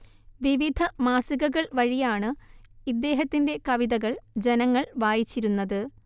വിവിധ മാസികകൾ വഴിയാണ് ഇദ്ദേഹത്തിന്റെ കവിതകൾ ജനങ്ങൾ വായിച്ചിരുന്നത്